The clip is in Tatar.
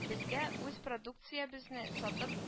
Безгә үз продукциябезне сатып